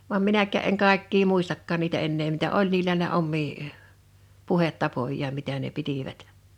vaan minäkään en kaikkia muistakaan niitä enää mitä oli niillä ne omia puhetapojaan mitä ne pitivät